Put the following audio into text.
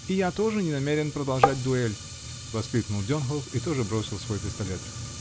-- И я тоже не намерен продолжать дуэль, -- воскликнул Донгоф и тоже бросил свой пистолет.